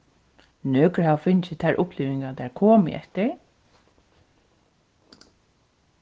nøkur hava fingið tær upplivingar tey komu eftir